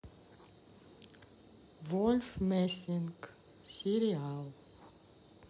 вольф мессинг сериал